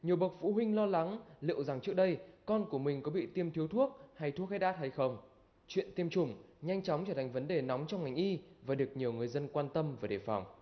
nhiều bậc phụ huynh lo lắng liệu rằng trước đây con của mình có bị tiêm thiếu thuốc hay thuốc hết đát hay không chuyện tiêm chủng nhanh chóng trở thành vấn đề nóng trong ngành y và được nhiều người dân quan tâm và đề phòng